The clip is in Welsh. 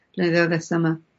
blynyddoedd nesa 'ma?